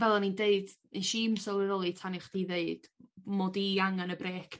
fel o'n ni'n deud nesh i'm sylweddoli tan i chdi ddeud mod i angan y brêc